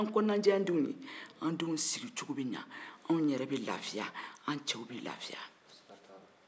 n'an yan kɔnɔnajɛya an denw ye an denw sigicogo be ɲɛ an yɛrɛw bɛ lafiya an cɛw bɛ lafiya